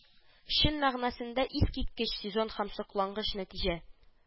Чын мәгънәсендә, искиткеч сезон һәм соклангыч нәтиҗә